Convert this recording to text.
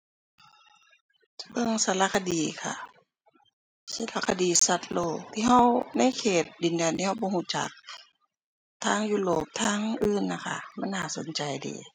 เบิ่งสารคดีค่ะ สารคดีสัตว์โลก ที่เรา ในเขตดินแดนที่เราบ่เราจัก ทางยุโรป ทางอื่นน่ะค่ะ มันน่าสนใจดี